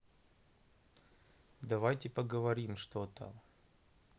давайте поговорим что там